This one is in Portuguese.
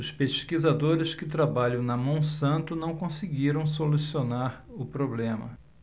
os pesquisadores que trabalham na monsanto não conseguiram solucionar o problema